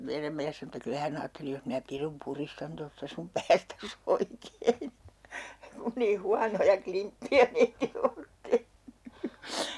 meidän mies sanoi että kyllä hän ajatteli jos minä pirun puristan tuosta sinun päästäsi oikein kun niin huonoja klimppejä meille olet tehnyt